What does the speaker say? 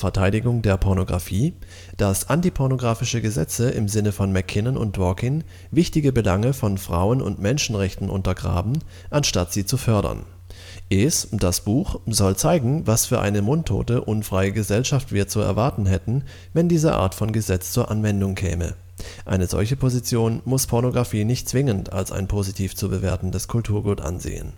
Verteidigung der Pornographie, dass antipornografische Gesetze im Sinne von MacKinnon und Dworkin „ wichtige Belange von Frauen - und Menschenrechten untergraben, anstatt sie zu fördern. Es [das Buch] soll zeigen, was für eine mundtote, unfreie Gesellschaft wir zu erwarten hätten, wenn diese Art von Gesetz zur Anwendung käme. “Eine solche Position muss Pornographie nicht zwingend als ein positiv zu bewertendes Kulturgut ansehen